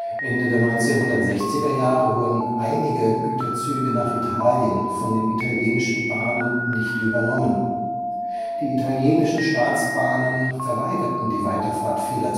Ende der 1960er Jahre wurden einige Güterzüge nach Italien von den italienischen Bahnen nicht übernommen; die Italienischen Staatsbahnen verweigerten die Weiterfahrt vieler